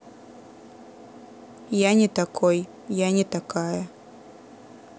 я не такой я не такая